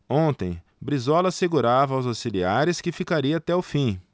ontem brizola assegurava aos auxiliares que ficaria até o fim